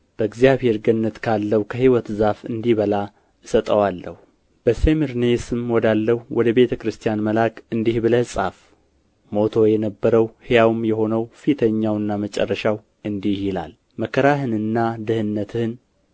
በእግዚአብሔር ገነት ካለው ከሕይወት ዛፍ እንዲበላ እሰጠዋለሁ በሰምርኔስም ወዳለው ወደ ቤተ ክርስቲያን መልአክ እንዲህ ብለህ ጻፍ ሞቶ የነበረው ሕያውም የሆነው ፊተኛውና መጨረሻው እንዲህ ይላል መከራህንና ድህነትህን